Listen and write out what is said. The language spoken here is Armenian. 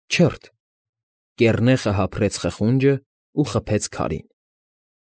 Չը՛ըթ… Կեռնեխը հափռեց խխունջն ու խփեց քարին։